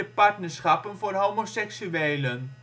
partnerschappen voor homoseksuelen